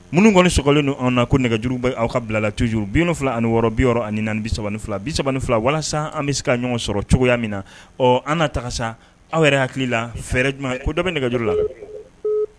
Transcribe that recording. Minnu kɔniɔni sɔlen don anw na ko nɛgɛjuruba aw ka bilala tuyjuru bin fila ani wɔɔrɔ bi yɔrɔ ani bisa fila bi3 ni fila walasa an bɛ se ka ɲɔgɔn sɔrɔ cogoya min na ɔ an na taga sa aw yɛrɛ hakili la fɛɛrɛ jumɛn ko dɔ bɛ nɛgɛjuru la